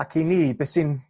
ac i ni be' sy'n